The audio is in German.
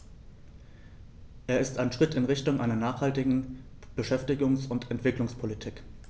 Er ist ein Schritt in Richtung einer nachhaltigen Beschäftigungs- und Entwicklungspolitik.